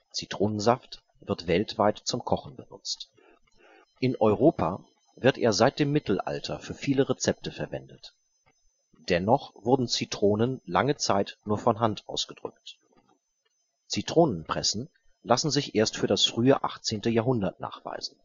Zitronensaft wird weltweit zum Kochen benutzt. In Europa wird er seit dem Mittelalter für viele Rezepte verwendet. Dennoch wurden Zitronen lange Zeit nur von Hand ausgedrückt. Zitronenpressen lassen sich erst für das frühe 18. Jahrhundert nachweisen